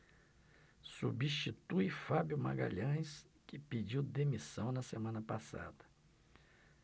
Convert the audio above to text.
substitui fábio magalhães que pediu demissão na semana passada